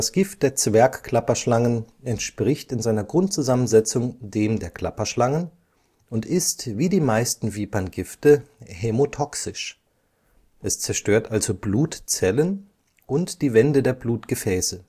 Gift der Zwergklapperschlangen entspricht in seiner Grundzusammensetzung dem der Klapperschlangen und ist wie die meisten Viperngifte hämotoxisch, es zerstört also Blutzellen und die Wände der Blutgefäße. Es